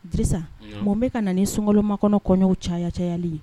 Disa mun bɛ ka na ni sunkololomakɔnɔ kɔɲɔw caya cayayali ye